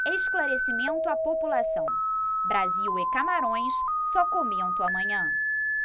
esclarecimento à população brasil e camarões só comento amanhã